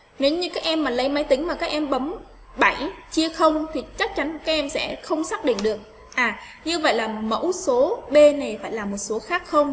nếu như các em mà lấy máy tính mà các em bấm bảng chia không thì chắc chắn các em sẽ không xác định được như vậy là một mẫu số b này phải là một số khác